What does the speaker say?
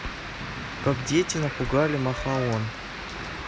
как дети напугали махаон